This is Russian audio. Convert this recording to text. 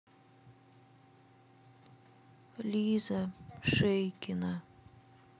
лиза шейкина